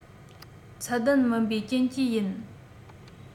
ཚད ལྡན མིན པའི རྐྱེན གྱིས ཡིན